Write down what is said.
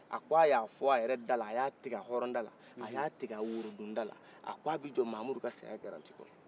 a ko a y'a fɔ a yɛrɛ da la a y'a tigɛ a hɔrɔnda la a y'a tigɛ a worodunda la a k'a bɛ jɔ mahamudu ka saya garanti kɔrɔ